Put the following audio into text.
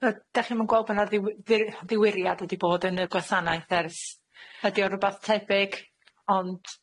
Yy, dach chi'm yn gweld bo' 'na ddiwi- ddir- ddiwiriad wedi bod yn y gwasanaeth ers... Ydi o rwbath tebyg, ond?